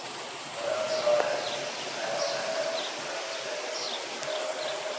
odamxudolar keyin sayg'oqlami mashinalarga minib qira boshlashdi